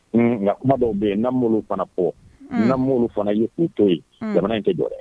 Nka kuma dɔw bɛ yen n na fana fana ye' to ye jamana in tɛ jɔɛrɛ